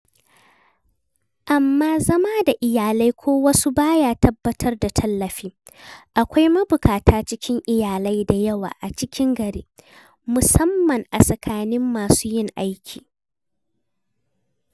Amma zama da iyalai ko wasu ba ya tabbatar da tallafi. Akwai mabuƙata cikin iyalai da yawa a cikin gari, musamman a tsakanin masu yin aiki.